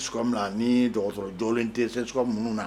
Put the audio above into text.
Ni dɔgɔ sɔrɔ tɛ minnu na